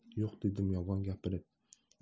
yo'q dedim yolg'on gapirib